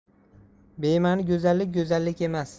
bema'ni go'zallik go'zallik emas